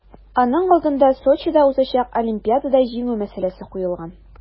Аның алдына Сочида узачак Олимпиадада җиңү мәсьәләсе куелган.